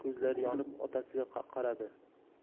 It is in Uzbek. ko'zlari yonib otasiga qaradi